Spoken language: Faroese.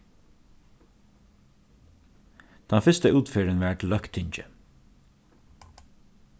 tann fyrsta útferðin var til løgtingið